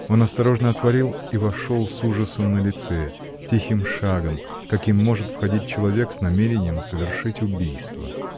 Он осторожно отворил и вошел с ужасом на лице, тихим шагом, каким может входить человек с намерением совершить убийство.